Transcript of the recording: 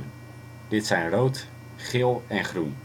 zijn rood, geel en groen